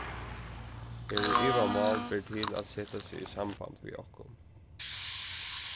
eru ivamál ber til at seta seg í samband við okkum